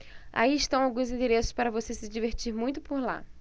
aí estão alguns endereços para você se divertir muito por lá